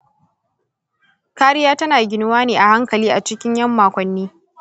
kariya tana ginuwa ne a hankali a cikin ‘yan makonni.